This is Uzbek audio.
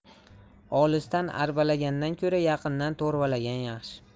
olisdan arbalagandan ko'ra yaqindan to'rvalagan yaxshi